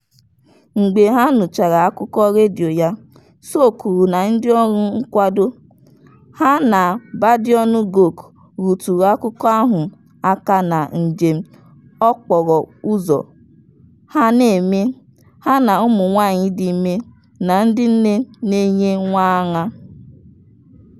Mgbe ha nụchara akụkọ redio ya, Sow kwuru na ndịọrụ nkwado, ha na Badianou Guokh rụtụrụ akụkọ ahụ aka na njem okporoụzọ ha na-eme, ha na ụmụnwaanyị dị ime na ndị nne na-enye nwa ara.